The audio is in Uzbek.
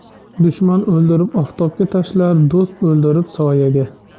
dushman o'ldirib oftobga tashlar do'st o'ldirib soyaga